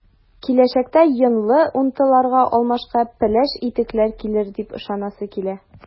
Киләчәктә “йонлы” унтыларга алмашка “пеләш” итекләр килер дип ышанасы килә.